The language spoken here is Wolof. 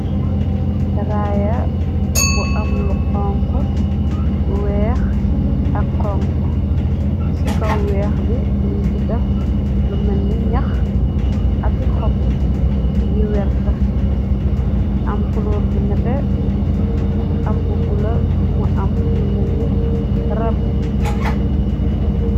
raaya bu am lu xonko weex ak xonko ci kaw weex bi nul ci def lu menni ñax aki xob yu werta am kuloor bu nete am b bula mu am lu menni rab